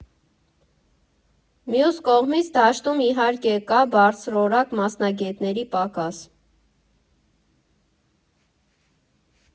Մյուս կողմից՝ դաշտում իհարկե կա բարձրորակ մասնագետների պակաս։